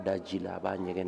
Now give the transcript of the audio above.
A da ji la a b'a ɲɛgɛn